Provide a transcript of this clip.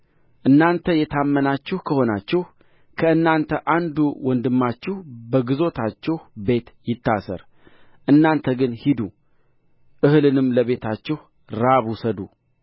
እናንተ የታመናችሁ ከሆናችሁ ከእናንተ አንዱ ወንድማችሁ በግዞታችሁ ቤት ይታሰር እናንተ ግን ሂዱ እህሉንም ለቤታችሁ ራብ ውሰዱ